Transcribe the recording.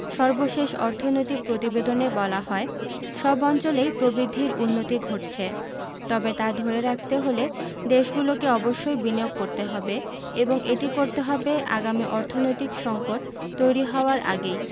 সর্বশেষ অর্থনৈতিক প্রতিবেদনে বলা হয় সব অঞ্চলেই প্রবৃদ্ধির উন্নতি ঘটছে তবে তা ধরে রাখতে হলে দেশগুলোকে অবশ্যই বিনিয়োগ করতে হবে এবং এটি করতে হবে আগামী অর্থনৈতিক সংকট তৈরি হওয়ার আগেই